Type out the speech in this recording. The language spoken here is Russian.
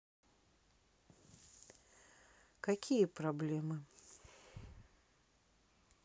какие проблемы